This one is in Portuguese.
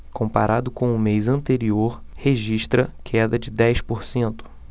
comparado com o mês anterior registra queda de dez por cento